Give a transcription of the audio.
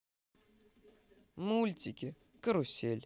мультики карусель